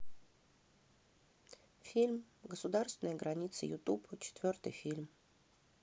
фильм государственная граница ютуб четвертый фильм